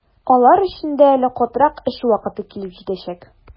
Алар өчен дә әле катырак эш вакыты килеп җитәчәк.